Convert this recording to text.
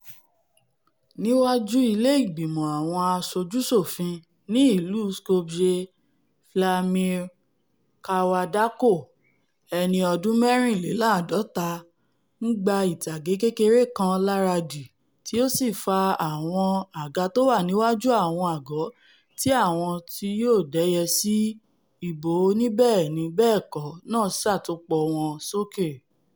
Níwájú ilé ìgbìmọ̀ àwọn aṣoju-ṣòfin ní ìlú Skopje, Vlamirir Kavardarkov, ẹni ọdún mẹ́rìnléláàádọ́ta, ńgba ìtàgé kékeré kan láradì tí ó sì fa àwọn àga tówà niwaju àwọn àgọ́ tí àwọn ti yóò dẹ́yẹ sí ìbò oníbẹ́ẹ̀ni-bẹ́ẹ̀kọ́ náà ṣàtòpọ̀ wọn sókè.